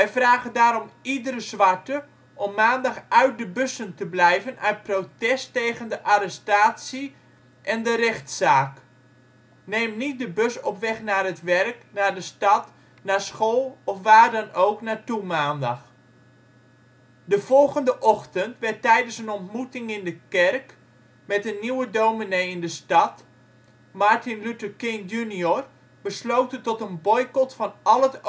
vragen daarom iedere zwarte om maandag uit de bussen te blijven uit protest tegen de arrestatie en de rechtszaak. Neem niet de bus op weg naar het werk, naar de stad, naar school of waar dan ook naartoe op maandag... De volgende ochtend werd tijdens een ontmoeting in een kerk met een nieuwe dominee in de stad, Martin Luther King, Jr., besloten tot een boycot van al het openbaar